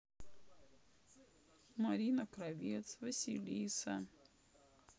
марина кравец василиса